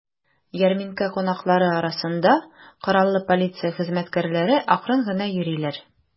Ярминкә кунаклары арасында кораллы полиция хезмәткәрләре акрын гына йөриләр.